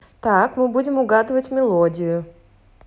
так мы будем угадывать мелодию